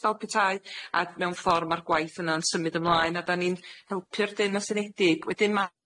fel petai, a mewn ffor ma'r gwaith yna'n symud ymlaen a 'dan ni'n helpu'r Deyrnas Unedig. Wedyn ma'-